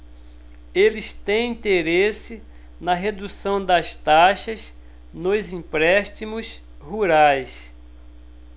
eles têm interesse na redução das taxas nos empréstimos rurais